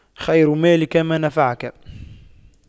خير مالك ما نفعك